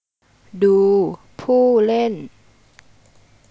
ดูผู้เล่น